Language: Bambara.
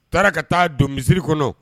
Taara ka taa don misisiriri kɔnɔ